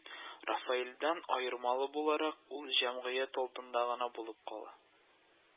Рафаэльдән аермалы буларак, ул җәмгыять алдында гына булып кала